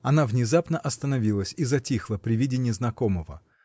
Она внезапно остановилась и затихла при виде незнакомого